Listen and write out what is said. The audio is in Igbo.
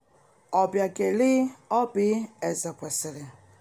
Obiageli [Oby] Ezekwesili